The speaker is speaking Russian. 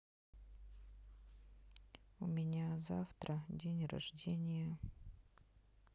у меня завтра день рождения